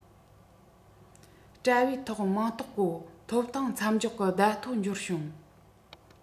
དྲ བའི ཐོག མིང རྟགས བཀོད ཐོབ ཐང མཚམས འཇོག གི བརྡ ཐོ འབྱོར བྱུང